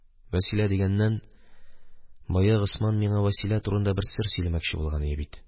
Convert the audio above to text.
Вәсилә дигәннән, бая Госман миңа Вәсилә турында бер сер сөйләмәкче булган иде бит